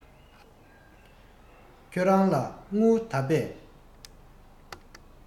ཁྱེད རང ལ དངུལ ད པས